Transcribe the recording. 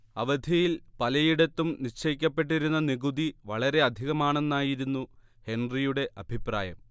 അവധിയിൽ പലയിടത്തും നിശ്ചയിക്കപ്പെട്ടിരുന്ന നികുതി വളരെ അധികമാണെന്നായിരുന്നു ഹെൻറിയുടെ അഭിപ്രായം